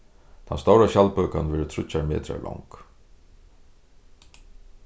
tann stóra skjaldbøkan verður tríggjar metrar long